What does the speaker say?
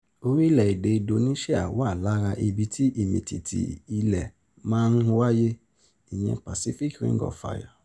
Orílẹ̀-èdè Indonesia wà lára ibi tí ìmìtìtì ilẹ̀ máa ń wáyé, ìyẹn Pacific Ring of Fire.